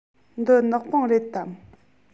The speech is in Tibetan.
འདི ནག པང རེད དམ